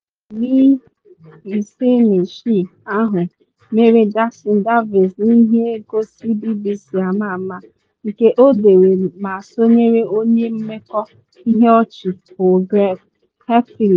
Onye afọ 56 ahụ mere Jack Darvis n’ihe ngosi BBC ama ama, nke ọ dere ma sonyere onye mmekọ ihe ọchị bụ Greg Hemphill.